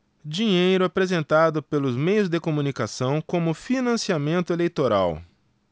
dinheiro apresentado pelos meios de comunicação como financiamento eleitoral